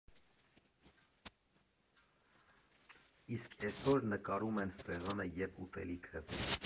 Իսկ էսօր նկարում են սեղանը և ուտելիքը։